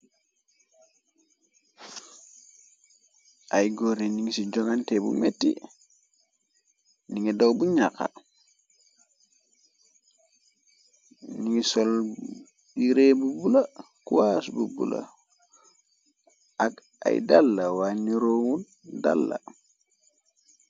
Ay goore ningi ci jogante bu meti ningi daw bu ñaxa ni ngi sol bi ree bu bula kuaas bu bula ak ay dàlla waa niroowu dalla.